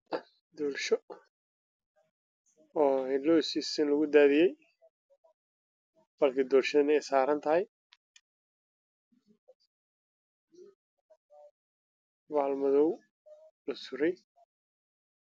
Waa doorsho looskiisa lagu daadiyay